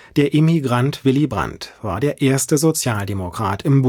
Der Emigrant Willy Brandt war der erste Sozialdemokrat im